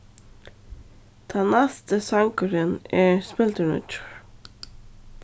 tann næsti sangurin er spildurnýggjur